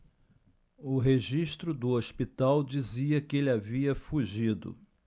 o registro do hospital dizia que ele havia fugido